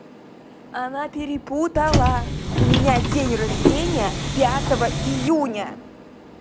она перепутала у меня день рождения пятого июня